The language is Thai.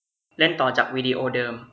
เล่นต่อจากวิดีโอเดิม